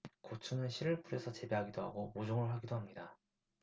고추는 씨를 뿌려서 재배하기도 하고 모종을 하기도 합니다